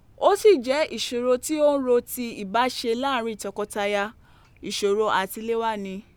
Ó sì jẹ́ ìṣòro tí ó ń ro ti ìbáṣe láàárín tọkọtaya – ìṣòro àtilẹ̀wá ni.